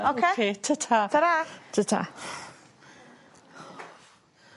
Oce? Oce tyta. Tara. Tyta.